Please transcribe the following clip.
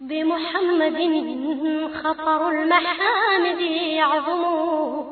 Denmugɛninunɛgɛnin yo